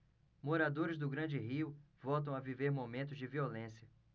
moradores do grande rio voltam a viver momentos de violência